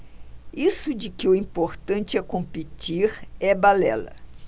isso de que o importante é competir é balela